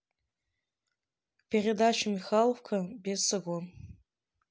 передача михалкова бесогон